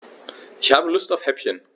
Ich habe Lust auf Häppchen.